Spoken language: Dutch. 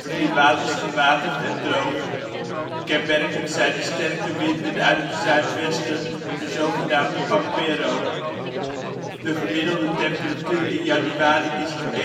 is gematigd en droog. Kenmerkend zijn de sterke winden uit het zuidwesten, de zogenaamde Pampero. De gemiddelde temperatuur in januari is 21°C